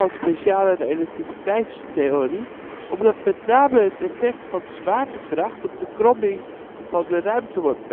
speciale relativiteitstheorie omdat met name het effect van de zwaartekracht op de kromming van de ruimte wordt